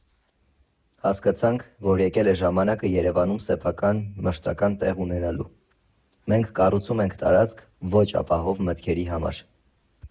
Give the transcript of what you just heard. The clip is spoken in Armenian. Հասկացանք, որ եկել է ժամանակը Երևանում սեփական, մշտական տեղ ունենալու։ Մենք կառուցում ենք տարածք ոչ ապահով մտքերի համար։